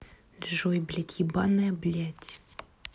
джой блядь ебаная блядь